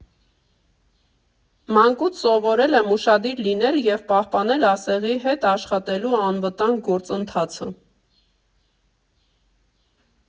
Մանկուց սովորել եմ ուշադիր լինել և պահպանել ասեղի հետ աշխատելու անվտանգ գործընթացը։